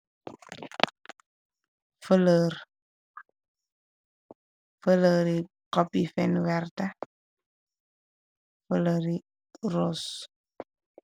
Felerr fëlëri copy fenwerta felëri ros.